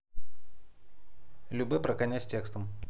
любэ про коня с текстом